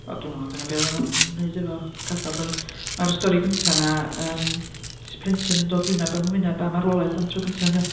Wel dwi'n meddwl ma' dyna be' oeddan nhw'n wneud efo cathod, ond mae'r stori gynta 'na, yym jyst plentyn yn dod wyneb yn wyneb â marwolaeth am tro cynta de.